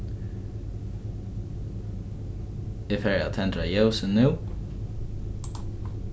eg fari at tendra ljósið nú